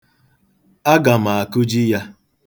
Aga m akụji ya.